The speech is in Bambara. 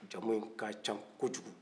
jamuyin ka can kojugu